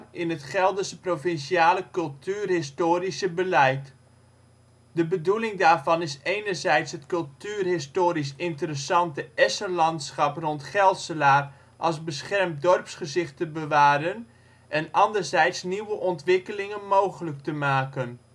in het Gelderse provinciale cultuurhistorische beleid. De bedoeling daarvan is enerzijds het cultuurhistorisch interessante essenlandschap rond Gelselaar als beschermd dorpsgezicht te bewaren en anderzijds nieuwe ontwikkelingen mogelijk te maken